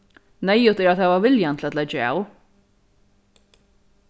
neyðugt er at hava viljan til at leggja av